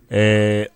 Ee